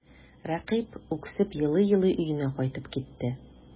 Рәкыйп үксеп елый-елый өенә кайтып китте.